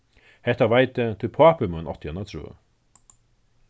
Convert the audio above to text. hetta veit eg tí at pápi mín átti eina trøð